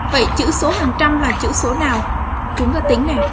vậy chữ số hàng trăm là chữ số nào chúng và tính nhỉ